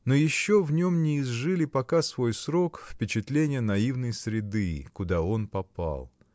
Но еще в нем не изжили пока свой срок впечатления наивной среды, куда он попал.